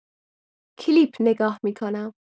کلیپ نگاه می‌کنم.